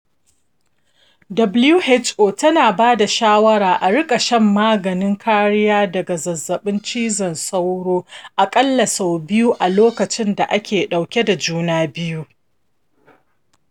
who tana ba da shawarar a rika shan maganin kariya daga zazzaɓin cizon sauro aƙalla sau biyu a lokacin da ake dauke da juna biyu.